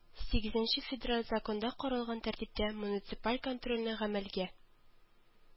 Сигезенче федераль законда каралган тәртиптә муниципаль контрольне гамәлгә